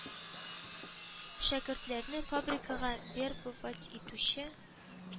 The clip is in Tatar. Шәкертләрне фабрикага вербовать итүче